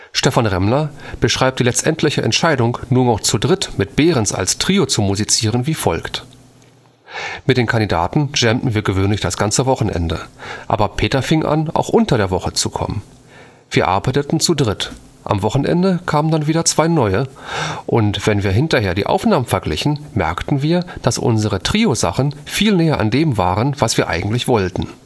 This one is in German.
Stephan Remmler beschreibt die letztendliche Entscheidung, nur noch zu dritt mit Behrens als Trio zu musizieren wie folgt: „ Mit den Kandidaten jammten wir gewöhnlich das ganze Wochenende, aber Peter fing an, auch unter der Woche zu kommen. Wir arbeiteten zu dritt, am Wochenende kamen dann wieder zwei Neue, und wenn wir hinterher die Aufnahmen verglichen, merkten wir, dass unsere Trio-Sachen viel näher an dem waren, was wir eigentlich wollten